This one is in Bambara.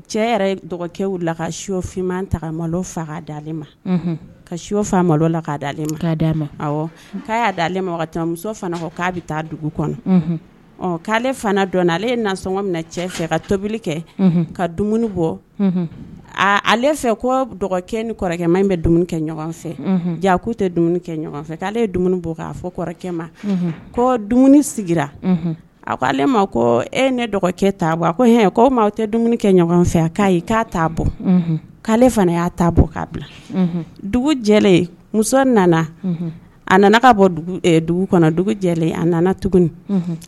Ma ka'a'a ma muso k'a bɛ k'ale ka tobili kɛ ka bɔ ale fɛ ni ma min bɛ kɛ fɛ ja k'u tɛ kɛ fɛ'ale ye bɔ k' fɔ ma ko dumuni sigira a koale ma e ne dɔgɔ'a bɔ ma aw tɛ dumuni kɛ ɲɔgɔn fɛ k'a k'a bɔ k'ale fana y'a bɔ k'a bila dugu jɛ muso nana a nana ka bɔ dugu a nana tuguni